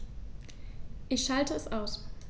Ich schalte es aus.